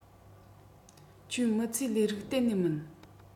ཁྱོའི མི ཚེའི ལས རིགས གཏན ནས མིན